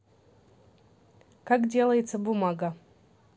как делается бумага